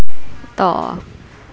ต่อ